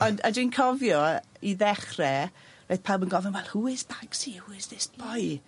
ond, a dwi'n cofio i ddechre roedd pawb yn gofyn wel who is Bagsi who is this boy?